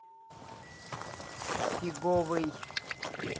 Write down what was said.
фиговый